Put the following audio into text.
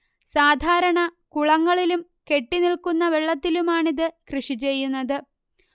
സാധാരണ കുളങ്ങളിലും കെട്ടിനിൽക്കുന്ന വെള്ളത്തിലുമാണിത് കൃഷി ചെയ്യുന്നത്